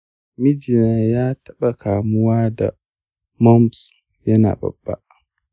mijina ya taɓa kamuwa da mumps yana babba.